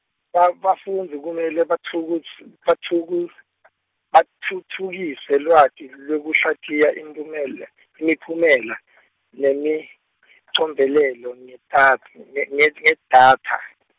ba bafundzi kumele batfukutf- batfuku- batfutfukise lwati lwekuhlatiya imiphumele imiphumela, nemicombelelo, ngetakhi, nge nged- ngedatha.